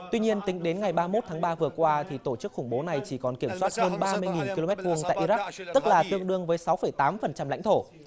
tuy nhiên tính đến ngày ba mốt tháng ba vừa qua thì tổ chức khủng bố này chỉ còn kiểm soát hơn ba mươi nghìn ki lô mét vuông tại i rắc tức là tương đương với sáu phẩy tám phần trăm lãnh thổ